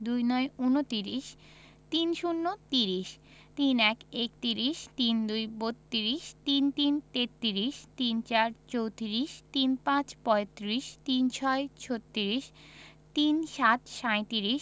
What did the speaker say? ২৯ -ঊনত্রিশ ৩০ - ত্রিশ ৩১ - একত্রিশ ৩২ - বত্ৰিশ ৩৩ - তেত্রিশ ৩৪ - চৌত্রিশ ৩৫ - পঁয়ত্রিশ ৩৬ - ছত্রিশ ৩৭ - সাঁইত্রিশ